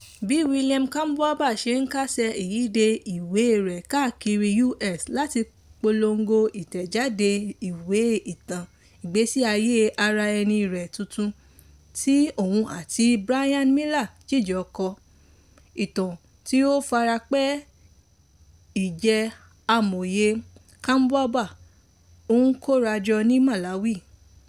Bí William Kamkwamba ṣe ń kásẹ̀ ìyíde ìwé rẹ̀ káàkiri US láti polongo ìtẹ̀jáde ìwé ìtan ìgbésí ayè ara ẹni rẹ̀ tuntun tí oun àti Bryan Mealer jijọ kọ, ìtan tí ó fara pẹ́ ìjẹ́ amòye Kamkwamba ń kóra jọ ní Malawi.